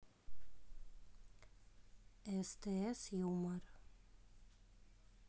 стс юмор